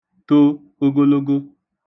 to ogologo